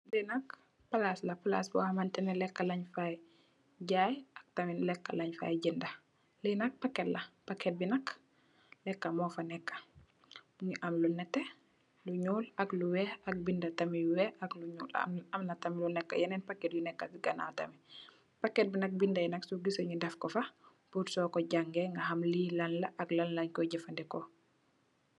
Li nak palass la palass bohamanteh leka lenj fai jai ak tamit leka lenj fai jenda li nak packet la packet bi nak leka mofa neka Mungi am lu neteh lu nyuul ak lu weih ak binda tamit yu weih ak yu nyuul la amna tamit yuneka yenen packet yuneka sey ganaw tamit packet bi nak bindai nak sogisseh nyu defko fa pul soko jangeh ngaham neh li lanla ak lan lenjko jefandeko.